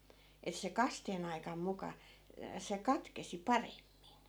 että se kasteen aikana muka se katkesi paremmin